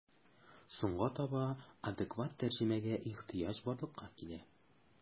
Соңга таба адекват тәрҗемәгә ихҗыяҗ барлыкка килә.